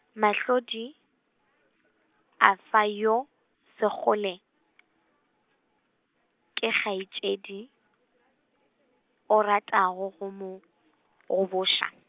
Mahlodi, afa yo, Sekgole, ke kgaetšedi, o ratago go mo, goboša.